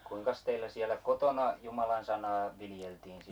kuinkas teillä siellä kotona Jumalan sanaa viljeltiin siellä